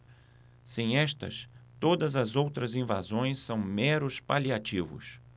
sem estas todas as outras invasões são meros paliativos